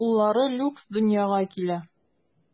Уллары Люкс дөньяга килә.